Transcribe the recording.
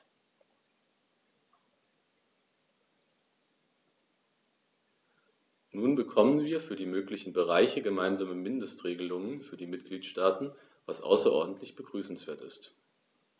Nun bekommen wir für alle möglichen Bereiche gemeinsame Mindestregelungen für die Mitgliedstaaten, was außerordentlich begrüßenswert ist.